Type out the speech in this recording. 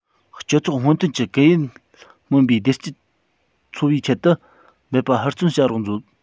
སྤྱི ཚོགས སྔོན ཐོན གྱི ཀུན ཡིད སྨོན པའི བདེ སྐྱིད འཚོ བའི ཆེད དུ འབད པ ཧུར བརྩོན བྱ རོགས མཛོད